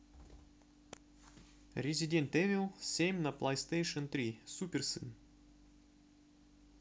resident evil семь на playstation три супер сын